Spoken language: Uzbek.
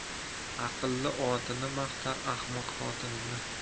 aqlli otini maqtar ahmoq xotinini